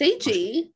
Deiji?